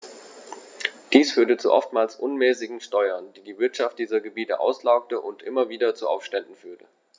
Dies führte zu oftmals unmäßigen Steuern, die die Wirtschaft dieser Gebiete auslaugte und immer wieder zu Aufständen führte.